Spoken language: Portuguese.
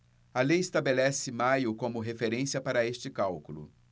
a lei estabelece maio como referência para este cálculo